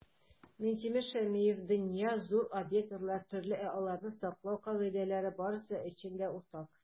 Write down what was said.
Минтимер Шәймиев: "Дөнья - зур, объектлар - төрле, ә аларны саклау кагыйдәләре - барысы өчен дә уртак".